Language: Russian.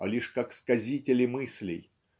а лишь как сказители мыслей